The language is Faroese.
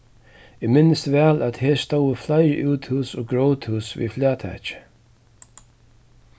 eg minnist væl at her stóðu fleiri úthús og gróthús við flagtaki